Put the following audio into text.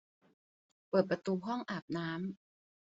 เปิดประตูห้องอาบน้ำ